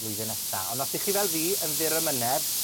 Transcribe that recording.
flwyddyn nesaf, ond 'ych chi fel fi, yn fyr ymynedd,